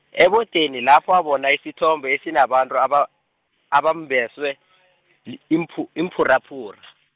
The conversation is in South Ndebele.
ebodeni lapho wabona isithombe esinabantu aba-, abambeswe , iimphu- -imphuraphura.